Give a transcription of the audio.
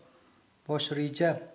bosh reja